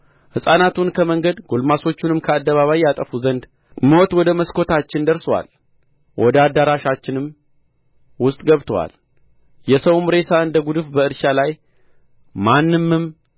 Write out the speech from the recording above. ሕፃናቱን ከመንገድ ጕልማሶቹንም ከአደባባይ ያጠፉ ዘንድ ሞት ወደ መስኮታችን ደርሶአል ወደ አዳራሻችንም ውስጥ ገብቶአል የሰውም ሬሳ እንደ ጕድፍ በእርሻ ላይ ማንምም